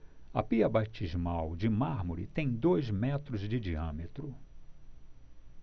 a pia batismal de mármore tem dois metros de diâmetro